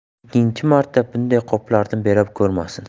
ikkinchi marta bunday qoplarni bera ko'rmasin